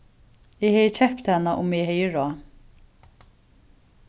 eg hevði keypt hana um eg hevði ráð